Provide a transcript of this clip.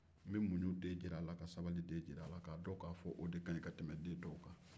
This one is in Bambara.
n bɛ muɲunden jira a la ka sabaliden jira a la k'a dɔn ka fɔ o de kaɲi ka tɛmɛ den tɔw kan